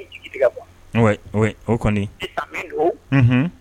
i jiigi tigɛ quoi kɔni, sisan min don